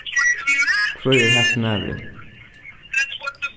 hvør er hasin maðurin